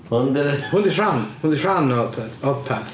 Hwn di'r.. Hwn 'di rhan. Hwn 'di rhan o'r peth- Odpeth.